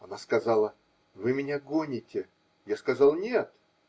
Она сказала: -- Вы меня гоните. Я сказал: -- Нет.